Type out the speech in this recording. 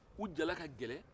u jala ka gɛlɛn